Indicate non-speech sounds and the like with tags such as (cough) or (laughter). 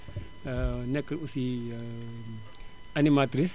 (noise) (hesitation) nekk aussi (hesitation) animatrice